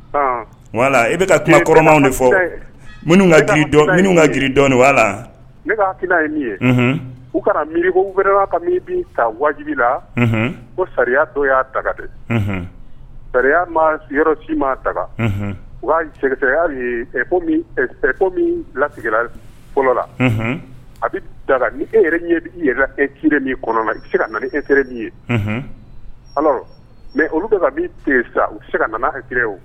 I bɛ ka kuma kɔrɔmaw de fɔ minnu minnu ka jiri dɔn la ne k'afininaa ye min ye u ka miiri wɛrɛ'a ka min bi ta wajibi la ko sariya to y'a ta dɛ sariya ma sigiyɔrɔ si ma ta u'a sɛ' ko min bila sigira fɔlɔ la a bɛ daga ni e e ki min kɔnɔ i bɛ se ka e terire min ye mɛ olu u bɛ se ka nana kire o